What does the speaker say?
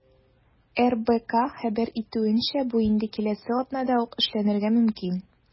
РБК хәбәр итүенчә, бу инде киләсе атнада ук эшләнергә мөмкин.